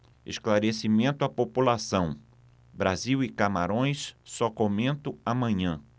esclarecimento à população brasil e camarões só comento amanhã